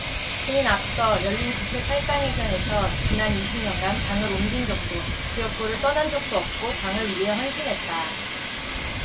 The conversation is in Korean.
그는 앞서 열린 국회 탈당 회견에서 지난 이십 년간 당을 옮긴 적도 지역구를 떠난 적도 없고 당을 위해 헌신했다